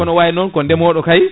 kono waynon ko ndemoɗo kay